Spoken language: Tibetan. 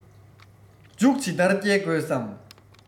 མཇུག ཇི ལྟར བསྐྱལ དགོས སམ